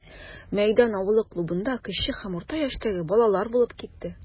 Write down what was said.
Мәйдан авылы клубында кече һәм урта яшьтәге балалар булып китте.